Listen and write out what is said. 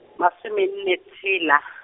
masomenne tshela .